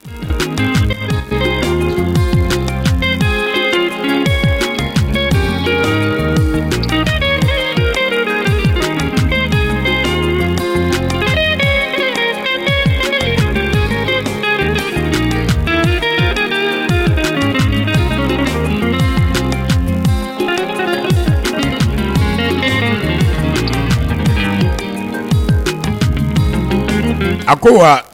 A ko wa